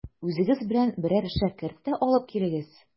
Үзегез белән берәр шәкерт тә алып килегез.